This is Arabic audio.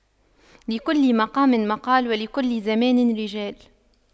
لكل مقام مقال ولكل زمان رجال